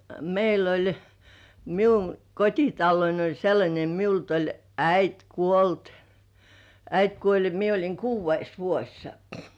meillä oli minun kotitaloni oli sellainen minulta oli äiti kuollut äiti kuoli ja minä olin kuudes vuosi -